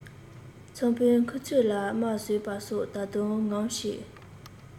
ཚངས པའི མཁུར ཚོས ལ རྨ བཟོས པ སོགས ད དུང ངོམས ཤིག